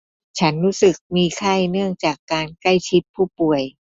ฉันรู้สึกมีไข้เนื่องจากการใกล้ชิดผู้ป่วย